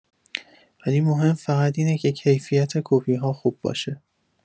ولی مهم فقط اینه که کیفیت کپی‌ها خوب باشه